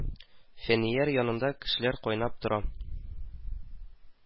Фәнияр янында кешеләр кайнап тора